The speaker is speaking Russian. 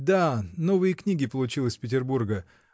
— Да, новые книги получил из Петербурга.